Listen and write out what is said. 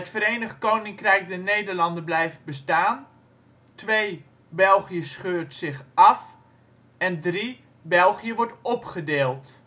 Verenigd Koninkrijk der Nederlanden blijft bestaan; België scheurt zich af; België wordt opgedeeld